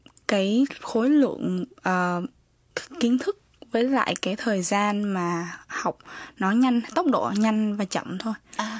cấy khối lượng ờ kiến thức với lại cái thời gian mà học nói nhanh tốc độ nhanh và chậm thôi